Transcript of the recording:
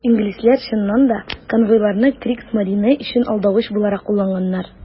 Инглизләр, чыннан да, конвойларны Кригсмарине өчен алдавыч буларак кулланганнар.